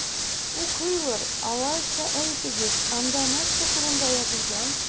Укыйлар! Алайса, әйтегез, анда нәрсә турында язылган?